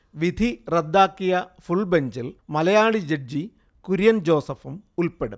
വിധി റദ്ദാക്കിയ ഫുൾബെഞ്ചിൽ മലയാളി ജഡ്ജി കുര്യൻ ജോസഫും ഉൾപ്പെടും